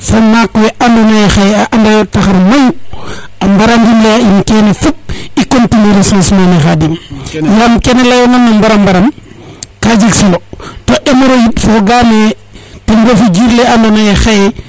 fo maak we ando naye xaye a anda yo taxar mayu a mbara ndimla in no kene fop i continuer ressencement ne Khadimyam kene leyona no mbara mbaram ka jeg solo to hemorroide fogame ten refu jir le ando naye xaye